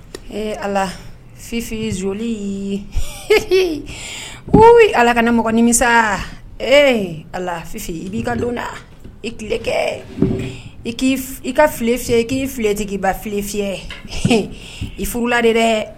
Ee ala fifinzolili ko ala ka mɔgɔɔgɔn nimisa ee ala fifin i b'i ka don i tile kɛ i i ka fi k'i filetigi' ba fi fiyɛ i furula de dɛ